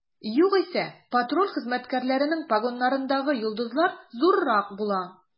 Югыйсә, патруль хезмәткәрләренең погоннарындагы йолдызлар зуррак була.